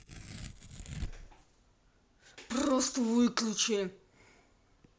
просто выключи